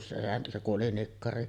se se kun oli nikkari